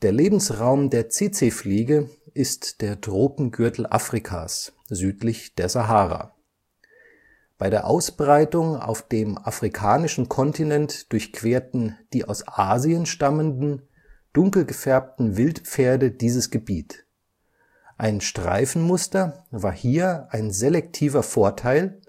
Lebensraum der Tsetse-Fliege ist der Tropengürtel Afrikas, südlich der Sahara. Bei der Ausbreitung auf dem afrikanischen Kontinent durchquerten die aus Asien stammenden, dunkel gefärbten Wildpferde dieses Gebiet. Ein Streifenmuster war hier ein selektiver Vorteil